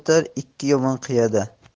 bitar ikki yomon qiyada